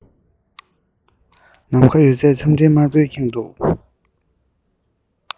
ནམ མཁའ ཡོད ཚད མཚམས སྤྲིན དམར པོའི ཁེངས འདུག